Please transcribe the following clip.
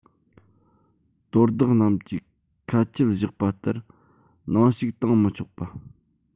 དོ བདག རྣམས ཀྱིས ཁ ཆད བཞག པ ལྟར ནང བཤུག བཏང མི ཆོག པ